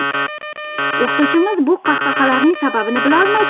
o'qituvchimiz bu qahqahalarning sababini bilolmay